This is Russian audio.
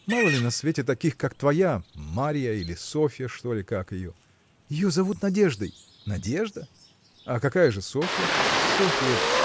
мало ли на свете таких, как твоя – Марья или Софья, что ли, как ее? – Ее зовут Надеждой. – Надежда? а какая же Софья? – Софья.